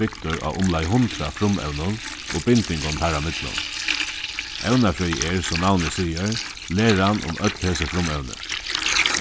bygdur á umleið hundrað frumevnum og bindingum teirra millum evnafrøði er sum navnið sigur læran um øll hesi frumevni